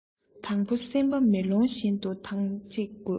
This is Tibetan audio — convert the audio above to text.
དང པོ སེམས པ མེ ལོང བཞིན དུ དྭངས གཅིག དགོས